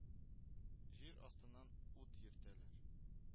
Җир астыннан ут йөртәләр